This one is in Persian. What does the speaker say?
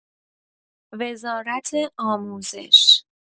وزارت آموزش